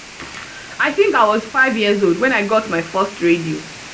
I think I was 5 years old when I got my first radio.